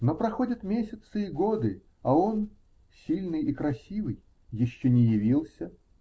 Но проходят месяцы и годы, а он, сильный и красивый, еще не явился.